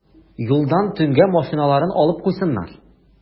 Юлдан төнгә машиналарны алып куйсыннар.